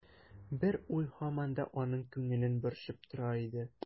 Бер уй һаман да аның күңелен борчып тора иде.